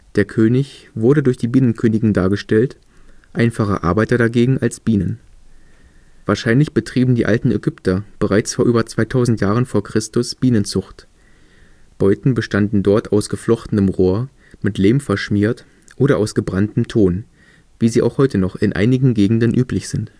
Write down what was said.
Der König wurde durch die Bienenkönigin dargestellt, einfache Arbeiter dagegen als Bienen. Wahrscheinlich betrieben die alten Ägypter bereits vor über 2000 Jahren v. Chr. Bienenzucht. Beuten bestanden dort aus geflochtenem Rohr, mit Lehm verschmiert, oder aus gebranntem Ton, wie sie auch noch heute in einigen Gegenden üblich sind